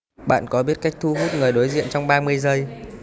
bạn có biết cách thu hút người đối diện trong ba mươi giây